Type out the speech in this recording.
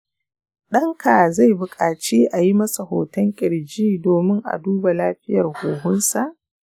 ɗanka zai buƙaci a yi masa hoton kirji domin a duba lafiyar huhunsa.